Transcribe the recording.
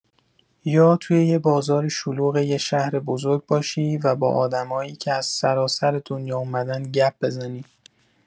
یا توی یه بازار شلوغ یه شهر بزرگ باشی و با آدمایی که از سراسر دنیا اومدن گپ بزنی.